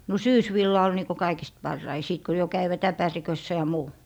no syysvilla oli niin kuin kaikista parhain sitten kun jo kävivät äpärikössä ja muu